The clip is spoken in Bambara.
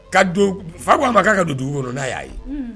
Ka fa ko aa ma'a ka dugu kɔnɔ n'a y'a ye